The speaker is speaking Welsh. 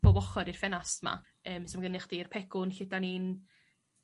bob ochor i'r ffenast 'ma yym so ma' gennych chdi 'r pegwn lle 'dan ni'n